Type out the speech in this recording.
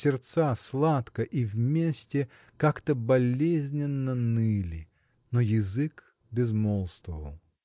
сердца сладко и вместе как-то болезненно ныли но язык безмолвствовал.